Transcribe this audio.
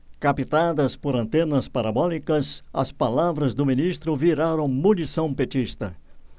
captadas por antenas parabólicas as palavras do ministro viraram munição petista